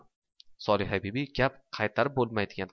solihabibi gap qaytarib bo'lmaydigan